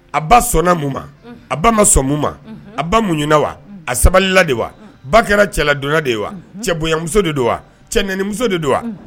A Ba sɔnna mun ma? A Ba ma sɔn mun ma? A Ba muɲu na wa? A sabalila de wa ? Ba kɛra cɛ ladonnan de ye wa ? Cɛ bonyamuso de don wa ? Cɛ nɛnnimuso de don wa?